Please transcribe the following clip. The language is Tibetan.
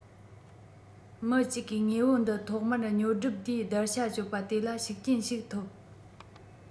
མི གཅིག གིས དངོས པོ འདི ཐོག མར ཉོ སྒྲུབ དུས བརྡར ཤ གཅོད པ དེ ལ ཤུགས རྐྱེན ཞིག ཐོབ